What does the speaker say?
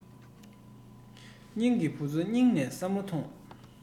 སྙིང གི བུ ཚོ སྙིང ནས བསམ བློ མཐོང